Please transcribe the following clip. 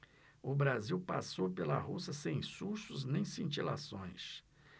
o brasil passou pela rússia sem sustos nem cintilações